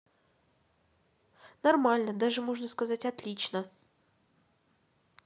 нормально даже можно сказать отлично